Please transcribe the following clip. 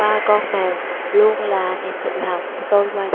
ba con mèo luôn là niềm tự hào của tôi và